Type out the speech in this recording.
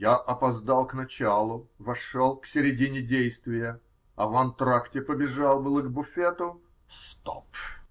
Я опоздал к началу, вошел в середине действия, а в антракте побежал было к буфету. Стоп.